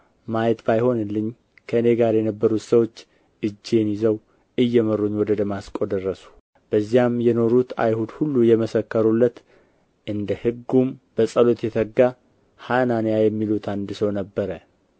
ማየት ባይሆንልኝ ከእኔ ጋር የነበሩት ሰዎች እጄን ይዘው እየመሩኝ ወደ ደማስቆ ደረስሁ በዚያም የኖሩት አይሁድ ሁሉ የመሰከሩለት እንደ ሕጉም በጸሎት የተጋ ሐናንያ የሚሉት አንድ ሰው ነበረ